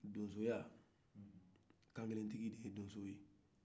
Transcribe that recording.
donsoya kankelentigi de ye donso ye